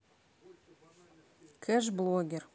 кэш блогер